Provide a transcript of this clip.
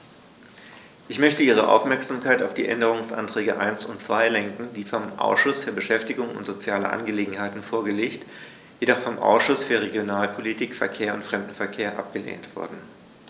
Ich möchte Ihre Aufmerksamkeit auf die Änderungsanträge 1 und 2 lenken, die vom Ausschuss für Beschäftigung und soziale Angelegenheiten vorgelegt, jedoch vom Ausschuss für Regionalpolitik, Verkehr und Fremdenverkehr abgelehnt wurden.